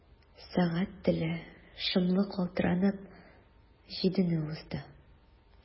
Сәгать теле шомлы калтыранып җидене узды.